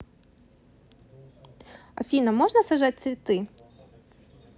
афина можно сажать цветы